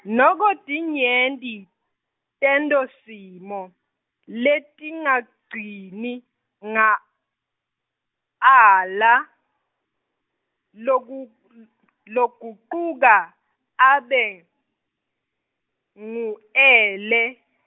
noko tinyenti , tentosimo, letingagcini, nga, ala, logu- logucuka, abe, ngu ele.